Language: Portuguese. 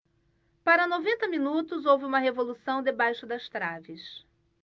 para noventa minutos houve uma revolução debaixo das traves